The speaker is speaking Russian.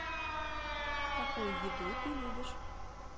какую еду ты любишь